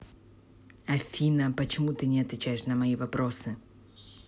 афина почему ты не отвечаешь на мои вопросы